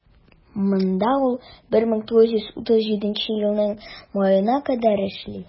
Монда ул 1937 елның маена кадәр эшли.